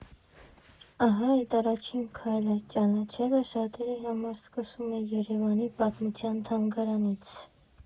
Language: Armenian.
Ահա այդ առաջին քայլը՝ ճանաչելը, շատերի համար սկսվում է Երևանի պատմության թանգարանից։